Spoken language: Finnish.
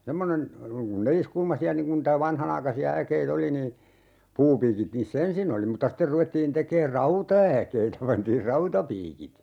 semmoinen noin kun neliskulmaisia niin kuin niitä vanhanaikaisia äkeitä oli niin puupiikit niissä ensin oli mutta sitten ruvettiin tekemään rautaäkeitä pantiin rautapiikit